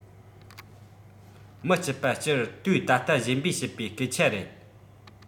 མི སྐྱིད པ སྤྱིར དུས ད ལྟ གཞན པས བཤད པའི སྐད ཆ རེད